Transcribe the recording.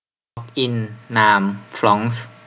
ล็อกอินนามฟร้องซ์